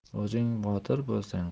o'zing botir bo'lsang